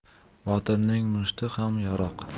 botirning mushti ham yarog'